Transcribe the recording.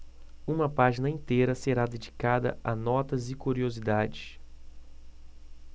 uma página inteira será dedicada a notas e curiosidades